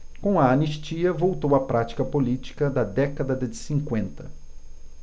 com a anistia voltou a prática política da década de cinquenta